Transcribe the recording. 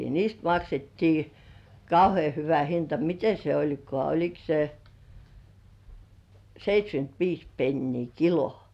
niistä maksettiin kauhean hyvä hinta miten se olikaan oliko se seitsemänkymmentäviisi penniä kilo